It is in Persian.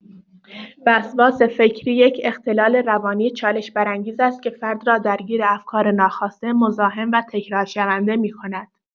وسواس فکری یک اختلال روانی چالش‌برانگیز است که فرد را درگیر افکار ناخواسته، مزاحم و تکرارشونده می‌کند.